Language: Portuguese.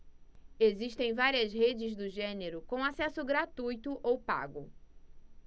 existem várias redes do gênero com acesso gratuito ou pago